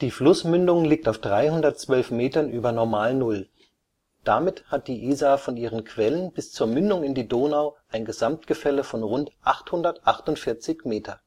Flussmündung liegt auf 312 Metern über Normalnull; damit hat die Isar von ihren Quellen bis zur Mündung in die Donau ein Gesamtgefälle von rund 848 Meter